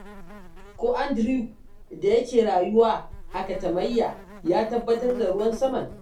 Ko Andrew da yake rayuwa a Katameyya ya tabbatar da ruwan saman!